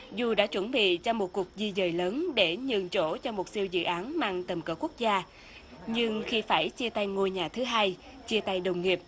dù đã chuẩn bị cho một cuộc di dời lớn để nhường chỗ cho một siu dự án mang tầm cỡ quốc gia nhưng khi phải chia tay ngôi nhà thứ hai chia tay đồng nghịp